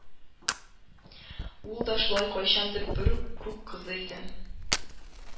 Ул да шулай кайчандыр бер күк кызы иде,